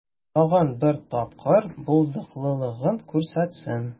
Тагын бер тапкыр булдыклылыгын күрсәтсен.